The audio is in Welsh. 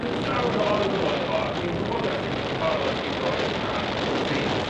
sdim llawer o arogl ano fo a dwi'n gwbod felly bod o'n barod i'w roid ar y pridd.